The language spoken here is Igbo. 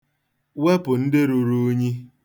Wepụ ndị ruru unyi